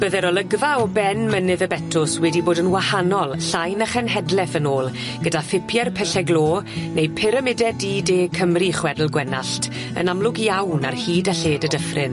Bydd'r olygfa o ben mynydd y Betws wedi bod yn wahanol, llai na chenhedleth yn ôl gyda thipie'r pylle glo neu pyramide du de Cymru chwedl Gwenallt yn amlwg iawn ar hyd a lled y dyffryn.